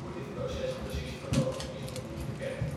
dit proces precies verloopt is nog niet bekend